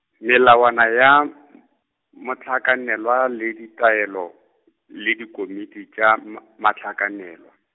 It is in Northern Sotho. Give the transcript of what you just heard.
melawana ya, m-, mohlakanelwa le ditaelo, le dikomiti tša, ma-, mohlakanelwa.